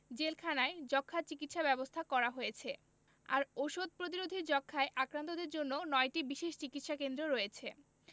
জেলখানায় যক্ষ্মার চিকিৎসা ব্যবস্থা করা হয়েছে আর ওষুধ প্রতিরোধী যক্ষ্মায় আক্রান্তদের জন্য ৯টি বিশেষ চিকিৎসাকেন্দ্র রয়েছে